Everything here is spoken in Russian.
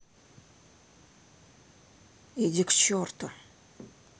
иди к черту